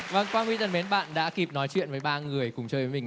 vâng quang huy thân mến bạn đã kịp nói chuyện với ba người cùng chơi với